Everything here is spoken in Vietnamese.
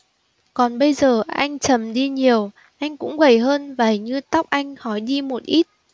còn bây giờ anh trầm đi nhiều anh cũng gầy hơn và hình như tóc anh hói đi một ít